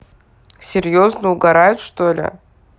серьезно угорают что ли